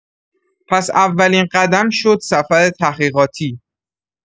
پس اولین قدم شد سفر تحقیقاتی.